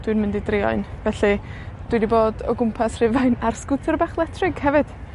dwi'n mynd i drio un, felly, dwi 'di bod o gwmpas Rhufain ar sgwter bach letrig hefyd.